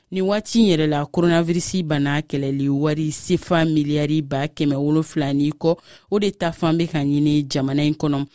nin waati in yɛrɛ la koronawirisibana kɛlɛli wari sefa miliyari ba kɛmɛ 7 ni kɔ o de taafan bɛ ka ɲini jamana in kɔnɔ